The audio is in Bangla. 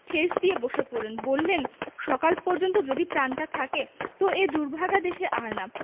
ঠেস দিয়ে বসে পড়লেন বললেন সকাল পর্যন্ত যদি প্রাণটা থাকে ত এ দুর্ভাগা দেশে আর না